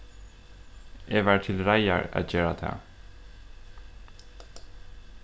eg var til reiðar at gera tað